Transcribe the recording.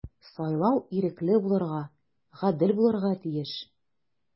Сайлау ирекле булырга, гадел булырга тиеш.